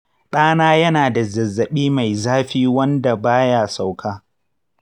ɗana yana da zazzabi mai zafi wanda baya sauka